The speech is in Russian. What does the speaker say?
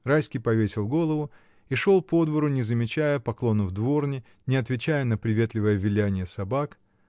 Райский повесил голову и шел по двору, не замечая поклонов дворни, не отвечая на приветливое вилянье собак